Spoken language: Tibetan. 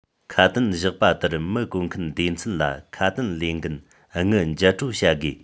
ཁ དན བཞག པ ལྟར མི བཀོལ མཁན སྡེ ཚན ལ ཁ དན ལས འགལ དངུལ འཇལ སྤྲོད བྱ དགོས